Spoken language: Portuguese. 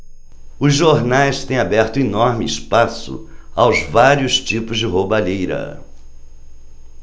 os jornais têm aberto enorme espaço aos vários tipos de roubalheira